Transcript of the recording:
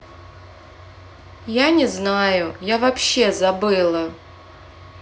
я не знаю я вообще забыла